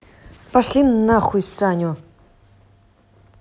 пошли на хуй саню